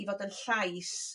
i fod yn llais